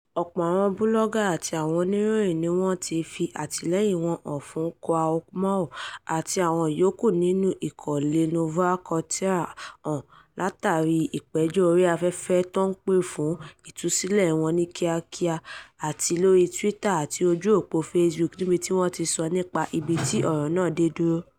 Ọ̀pọ̀ àwọn búlọ́gà àti àwọn Oníròyìn ni wọn ti fi àtìlẹyìn wọn fún Kouamouo àti àwọn yòókù nínú ikọ̀ Lè Nouveau Courtier hàn látàrí ìpẹ̀jọ́ orí afẹ́fẹ́ tó ń pè fún ìtusílẹ̀ wọn ní kíákíá, àti lórí Twitter àti ojú òpó Facebook níbi tí wọ̀n ti sọ nípa ibi tí ọ̀rọ̀ náà dé dúró.